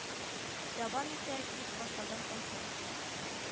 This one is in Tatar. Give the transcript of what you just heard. Дәвам итә кич башланган концерт